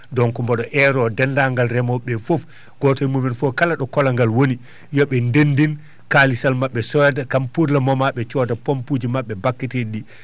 donc mboɗo ero deenndaangal remoɓe ɓee fof gooto e mooɗon fof kaalaaɗo kologal woni yoɓe nden ndin kalisal maɓɓe sooda kam pour le moment ɓe cooda pompuji maɓɓe mbakketeeɗi ɗi